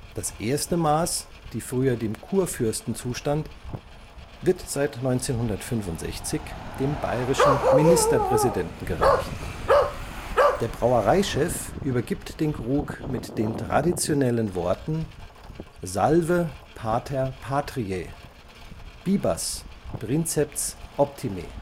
Die erste Maß, die früher dem Kurfürsten zustand, wird seit 1965 dem bayerischen Ministerpräsidenten gereicht. Der Brauereichef übergibt den Krug mit den traditionellen Worten: Salve pater patriae! Bibas, princeps optime